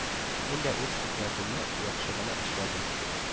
Мин дә үз хезмәтемне яхшы гына эшләдем